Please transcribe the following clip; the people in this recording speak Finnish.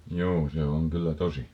juu se on kyllä tosi